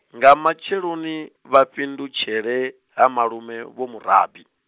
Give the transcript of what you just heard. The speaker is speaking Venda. nga matsheloni, vha fhindutshele, ha malume, Vho Murabi.